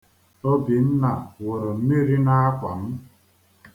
Obinna wụrụ mmiri n'akwa m.